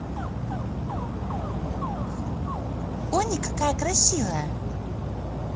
они какая красивая